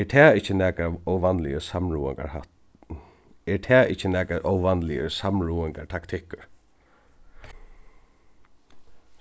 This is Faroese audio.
er tað ikki nakar óvanligur er tað ikki nakar óvanligur samráðingartaktikkur